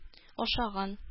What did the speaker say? Ашаган